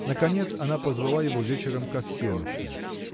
Наконец она позвала его вечером ко всенощной.